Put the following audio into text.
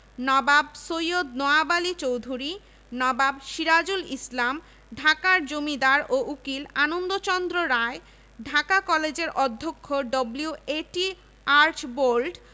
ও আবাসিক কার্যক্রম সম্বলিত প্রতিষ্ঠান এবং কেবল শহরের কলেজগুলি এর আওতাধীন থাকবে